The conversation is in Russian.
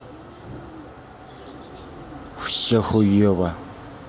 все хуево